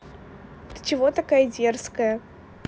ты чего такая дерзкая